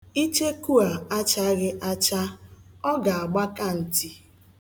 Icheku a achaghị acha, ọ ga-agbaka nti.